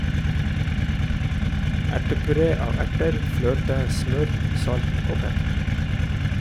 Ertepuré av erter, fløte, smør, salt og pepper.